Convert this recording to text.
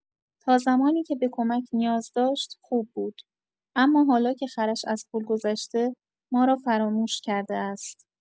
تا زمانی که به کمک نیاز داشت، خوب بود، اما حالا که خرش از پل گذشته، ما را فراموش کرده است.